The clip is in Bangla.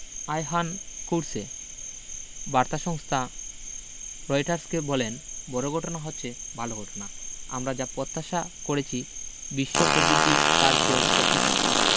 আয়হান কোরসে বার্তা সংস্থা রয়টার্সকে বলেন বড় ঘটনা হচ্ছে ভালো ঘটনা আমরা যা পত্যাশা করেছি বিশ্ব পবিদ্ধি তার চেয়েও শক্তিশালী